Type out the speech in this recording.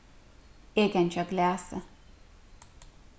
eg gangi á glasi